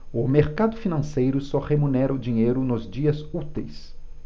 o mercado financeiro só remunera o dinheiro nos dias úteis